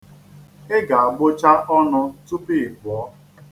Ị ga-agbụcha ọnụ tupu ị pụọ.